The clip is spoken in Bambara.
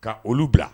Ka olu bila